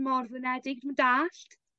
mor flindedig. Dw'm yn d'allt.